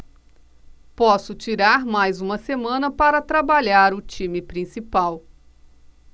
posso tirar mais uma semana para trabalhar o time principal